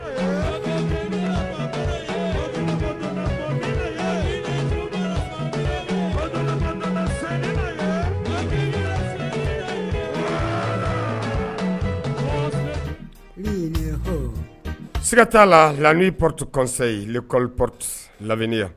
Siga t'a la la porote kɔn kɔli pte lainiya